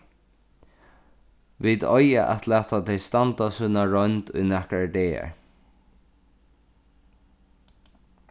vit eiga at lata tey standa sína roynd í nakrar dagar